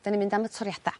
'dan ni'n mynd am y toriada